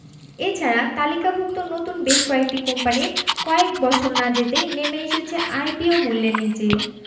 এ ছাড়া তালিকাভুক্ত নতুন বেশ কয়েকটি কোম্পানি কয়েক বছর না যেতেই নেমে এসেছে আইপিও মূল্যের নিচে